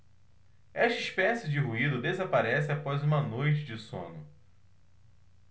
esta espécie de ruído desaparece após uma noite de sono